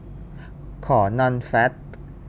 ขอนอนแฟต